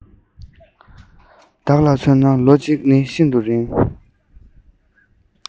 བདག ལ མཚོན ན ལོ གཅིག ནི ཤིན ཏུ རིང